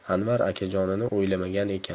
anvar akajonini o'ylamagan ekan